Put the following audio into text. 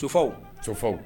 tufaw, tufaw.